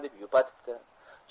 deb yupatibdi